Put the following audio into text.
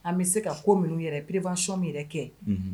An bɛ se ka ko minnu yɛrɛ perepsɔnɔn min yɛrɛ kɛ